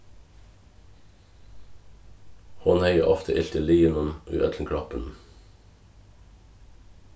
hon hevði ofta ilt í liðunum í øllum kroppinum